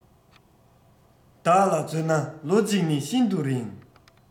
བདག ལ མཚོན ན ལོ གཅིག ནི ཤིན ཏུ རིང